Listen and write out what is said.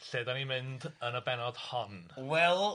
...lle dan ni'n mynd yn y bennod hon? Wel...